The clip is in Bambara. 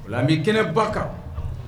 La bɛ kɛnɛ ba kan